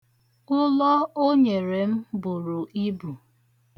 Ụlọ o nyere m buru ibu